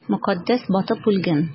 Мөкаддәс батып үлгән!